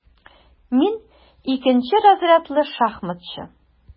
Мин - икенче разрядлы шахматчы.